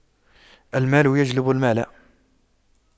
المال يجلب المال